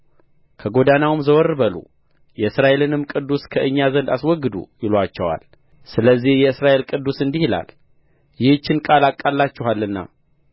ከጐዳናውም ዘወር በሉ የእስራኤልንም ቅዱስ ከእኛ ዘንድ አስወግዱ ይሉአቸዋል ስለዚህ የእስራኤል ቅዱስ እንዲህ ይላል ይህችን ቃል አቃልላችኋልና